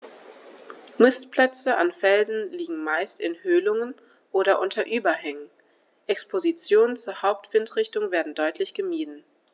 Nistplätze an Felsen liegen meist in Höhlungen oder unter Überhängen, Expositionen zur Hauptwindrichtung werden deutlich gemieden.